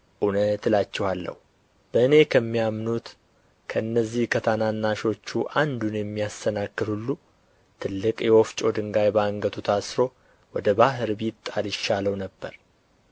እውነት እላችኋለሁ በእኔም ከሚያምኑት ከእነዚህ ከታናናሾቹ አንዱን የሚያሰናክል ሁሉ ትልቅ የወፍጮ ድንጋይ በአንገቱ ታስሮ ወደ ባሕር ቢጣል ይሻለው ነበር